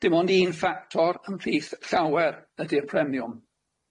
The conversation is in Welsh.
Dim ond un ffactor ymhlith llawer ydi'r premiwm.